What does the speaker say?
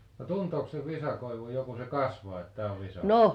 no tunteekos sen visakoivun jo kun se kasvaa että tämä on visakoivu